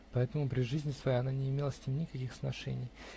поэтому при жизни своей она не имела с ним никаких сношений.